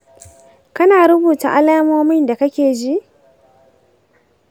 kana rubuta alamomin da kake ji?